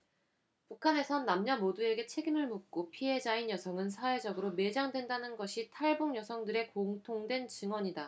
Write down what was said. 북한에선 남녀 모두에게 책임을 묻고 피해자인 여성은 사회적으로 매장된다는 것이 탈북 여성들의 공통된 증언이다